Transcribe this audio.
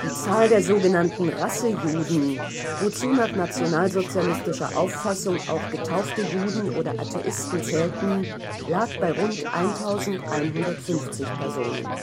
Zahl der sogenannten Rassejuden, wozu nach nationalsozialistischer Auffassung auch getaufte Juden oder Atheisten zählten, lag bei rund 1150 Personen